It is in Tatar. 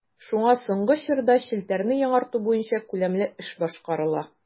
Шуңа соңгы чорда челтәрне яңарту буенча күләмле эш башкарыла.